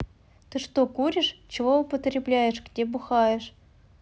ты что куришь чего употребляешь где бухаешь